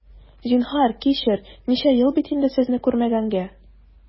Зинһар, кичер, ничә ел бит инде сезне күрмәгәнгә!